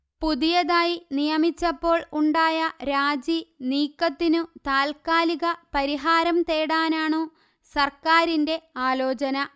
പുതിയതായി നിയമിച്ചപ്പോൾ ഉണ്ടായ രാജി നീക്കത്തിനു താല്കാലിക പരിഹാരം തേടാനാണു സർക്കാരിന്റെ ആലോചന